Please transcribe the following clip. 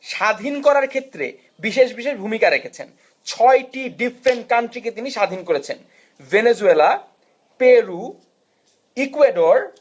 স্বাধীন করার ক্ষেত্রে বিশেষ বিশেষ ভূমিকা রেখেছেন 6 টি ডিফারেন্ট কান্ট্রি কে তিনি স্বাধীন করেছেন ভেনিজুয়েলা পেরু ইকুয়েডর